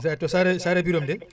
Saare Saare Birame de